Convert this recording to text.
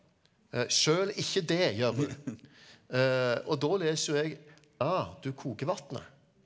sjøl ikke det gjør hun og da leser jo jeg ah du koker vatnet.